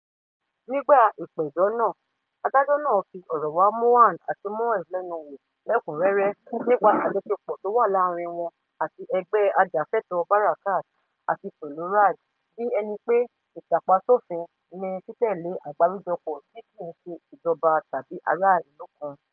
Nígbà ìpẹ̀jọ́ nàá, adájọ́ náà fi ọ̀rọ̀ wá Mohand àti Moez lẹ́nu wo lẹ́kùnrẹ́rẹ́ nípa àjọṣepọ̀ tó wa láàárín wọn àti ẹgbẹ́ ajáfẹ́tọ̀ọ́ “Barakat!” àti pẹ̀lú RAJ, bi ẹni pé bí ẹni pé ìtàpa sófin ni títẹ̀lẹ́ àgbáríjọpọ̀ tí kìí ṣe tìjọba tàbí ará ìlú kan.